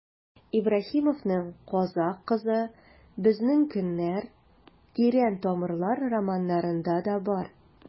Ибраһимовның «Казакъ кызы», «Безнең көннәр», «Тирән тамырлар» романнарында да бар.